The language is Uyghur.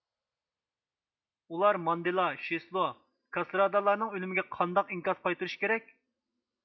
ئۇلار ماندېلا شېسلو كاسرادالارنىڭ ئۆلۈمىگە قانداق ئىنكاس قايتۇرۇشى كېرەك